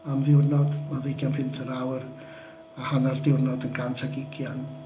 Am ddiwrnod mae'n ddeugain punt yr awr a hanner diwrnod yn gant ag ugain.